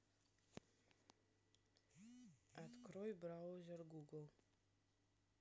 открой браузер google